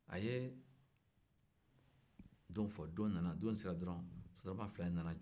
a ye don fɔ don sera dɔrɔn sotarama fila in nana jɔ